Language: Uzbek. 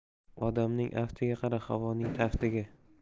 odamning aftiga qara havoning taftiga